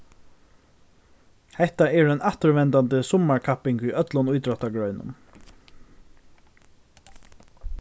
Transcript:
hetta er ein afturvendandi summarkapping í øllum ítróttagreinunum